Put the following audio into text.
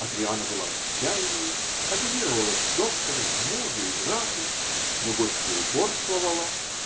Адриана была в отчаянии, апеллировала к доктору, мужу и графу, но гостья упорствовала.